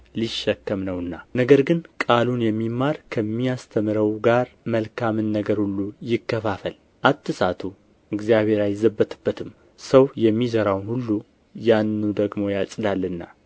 ሊሸከም ነውና ነገር ግን ቃሉን የሚማር ከሚያስተምረው ጋር መልካምን ነገር ሁሉ ይከፋፈል አትሳቱ እግዚአብሔር አይዘበትበትም ሰው የሚዘራውን ሁሉ ያንኑ ደግሞ ያጭዳልና